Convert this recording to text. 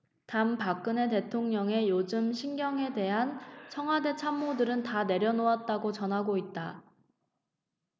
단박근혜 대통령의 요즘 심경에 대해 청와대 참모들은 다 내려놓았다고 전하고 있다